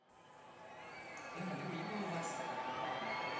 я люблю вас